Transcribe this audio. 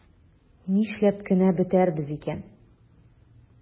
Нишләп кенә бетәрбез икән?